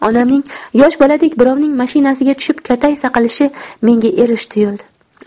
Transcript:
onamning yosh boladek birovning mashinasiga tushib kataysa qilishi menga erish tuyuldi